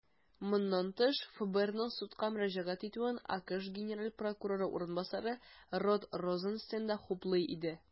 Моннан тыш, ФБРның судка мөрәҗәгать итүен АКШ генераль прокуроры урынбасары Род Розенстейн да хуплый иде.